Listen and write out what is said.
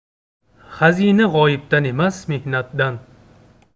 xazina g'oyibdan emas mehnatdan